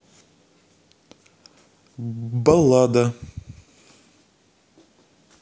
баллада